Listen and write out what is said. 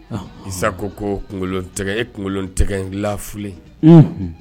Sa ko ko e kunkolokolon tɛgɛ n lafilen